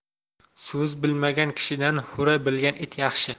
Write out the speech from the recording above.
so'z bilmagan kishidan hura bilgan it yaxshi